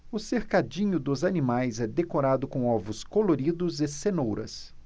o cercadinho dos animais é decorado com ovos coloridos e cenouras